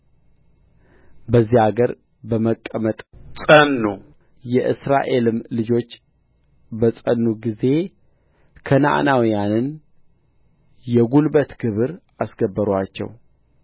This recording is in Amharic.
በዚያ አገር በመቀመጥ ጸኑ የእስራኤልም ልጆች በጸኑ ጊዜ ከነዓናውያንን የጕልበት ግብር አስገበሩአቸው